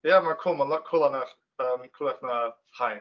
Ia, mae'n cŵl. Mae'n lot cwla nach... yym cwlach na hi.